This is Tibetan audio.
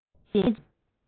མུ མཐའ མེད ཅིང